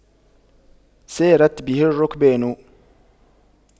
سارت به الرُّكْبانُ